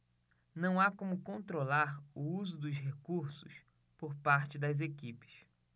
não há como controlar o uso dos recursos por parte das equipes